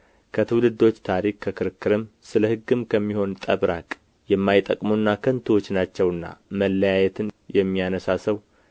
ከትውልዶች ታሪክ ከክርክርም ስለ ሕግም ከሚሆን ጠብ ራቅ የማይጠቅሙና ከንቱዎች ናቸውና መለያየትን የሚያነሣ ሰው